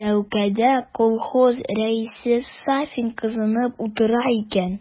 Ләүкәдә колхоз рәисе Сафин кызынып утыра икән.